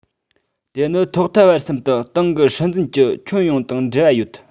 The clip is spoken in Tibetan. དེ ནི ཐོག མཐའ བར གསུམ དུ ཏང གི སྲིད འཛིན གྱི ཁྱོན ཡོངས དང འབྲེལ བ ཡོད